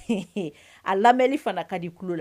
A lamɛnni fana ka di tulo la